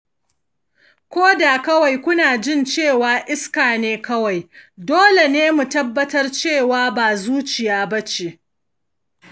koda kawai ku na jin cewa iska ne kawai, dole ne mu tabbatar cewa ba zuciya bace